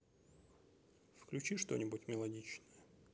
включи что нибудь мелодичное